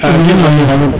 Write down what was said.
amin waay